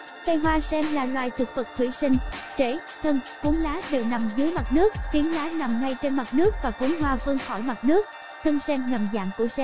cây sen là loài thực vật thủy sinh rễ thân cuốn lá đều nằm dưới mặt nước phiến lá nằm ngay trên mặt nước và cuốn hoa vươn khỏi mặt nước